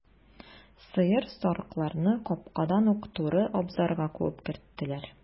Сыер, сарыкларны капкадан ук туры абзарга куып керттеләр.